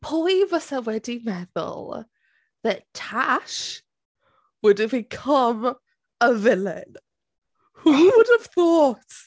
Pwy fysa wedi meddwl that Tash, would have become a villain? Who would have thought?